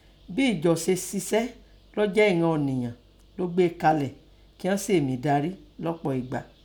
Bi ijọ se sisẹ lọ́ jẹ inan ọ̀niyan lọ́ gbee kalẹ̀ kin an sèè mí dari lọpọ̀ igba.